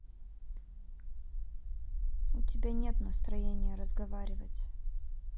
у тебя нет настроения разговаривать